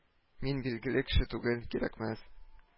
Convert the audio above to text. — мин билгеле кеше түгел, кирәкмәс